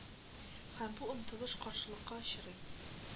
Һәм бу омтылыш каршылыкка очрый